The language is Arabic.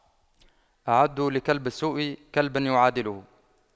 أعدّوا لكلب السوء كلبا يعادله